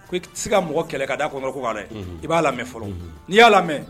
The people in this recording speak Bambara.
K'i tɛ se ka mɔgɔ kɛlɛ ka d'a kɔnɔko kan dɛ unhun, , i b'a lamɛn fɔlɔ, unhun, n'i y'a lamɛn